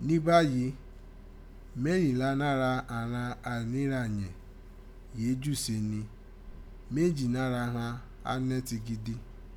Ni bàyí, mẹ́rìnlá nára àghan àìnira yẹ̀n rèé júù se rin, méjì nára ghan gha ní ti gidi.